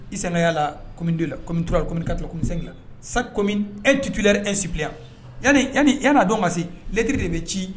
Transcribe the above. I seginnayala kɔmi to la kɔmimi tola kɔmi ka tomisenla sa kɔmi e tutu esibi yan yanani yan yan dɔn ma se lɛtri de bɛ ci